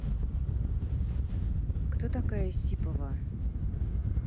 кто такая исипова